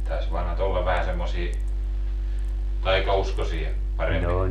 taisi vanhat olla vähän semmoisia taikauskoisia paremmin